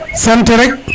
sant rek